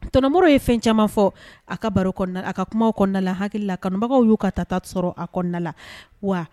Tonton Modibo ye fɛn caaman fɔ, a ka baro kɔnɔna a ka kumaw kɔnɔna na, hakila kanubagaw y'o ka ta ta sɔrɔ a kɔnɔna na wa